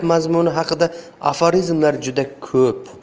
hayot mazmuni haqidagi aforizmlar juda ko'p